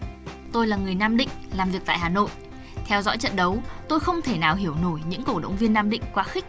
tôi là người nam định làm việc tại hà nội theo dõi trận đấu tôi không thể nào hiểu nổi những cổ động viên nam định quá khích